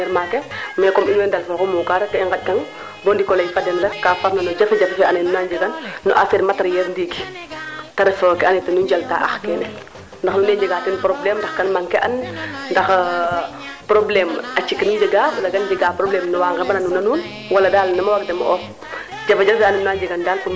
ndaa comme o kiin ande na roog tig ndiinga sutwa tanga fa jam ku farna no machine awara ta mbandelo xema nin o waro jik pudar o jik pudar o waro waand o njufa kaa farna no ax kaaf